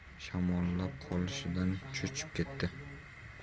qolishidan cho'chib ketdi